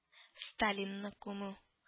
Сталинны күмү